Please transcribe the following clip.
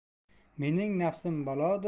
mening nafsim balodur